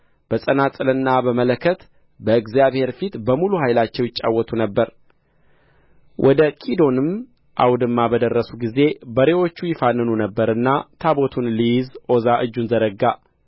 በጸናጽልና በመለከት በእግዚአብሔር ፊት በሙሉ ኃይላቸው ይጫወቱ ነበር ወደ ኪዶንም አውድማ በደረሱ ጊዜ በሬዎቹ ይፋንኑ ነበርና ታቦቱን ሊይዝ ዖዛ እጁን ዘረጋ